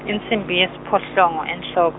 insimbi yesiphohlongo enhlok-.